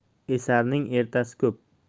esarning ertasi ko'p